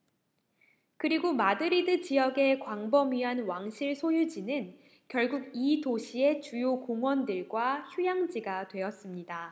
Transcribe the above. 그리고 마드리드 지역의 광범위한 왕실 소유지는 결국 이 도시의 주요 공원들과 휴양지가 되었습니다